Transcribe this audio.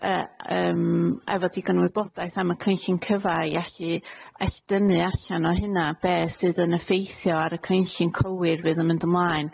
yy yym efo digon o wybodaeth am y cynllun cyfa i allu allu dynnu allan o hynna be' sydd yn effeithio ar y cynllun cywir fydd yn mynd ymlaen,